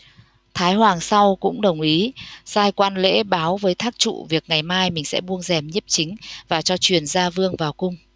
thái hoàng sau cùng đồng ý sai quan lễ báo với thác trụ việc ngày mai mình sẽ buông rèm nhiếp chính và cho truyền gia vương vào cung